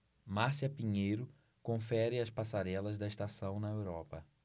márcia pinheiro confere as passarelas da estação na europa